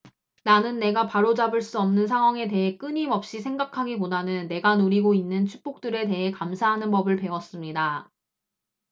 나는 내가 바로잡을 수 없는 상황에 대해 끊임없이 생각하기보다는 내가 누리고 있는 축복들에 대해 감사하는 법을 배웠습니다